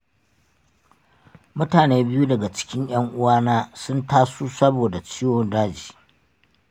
mutane biyu daga cikin ƴan-uwana sun tasu saboda ciwo daji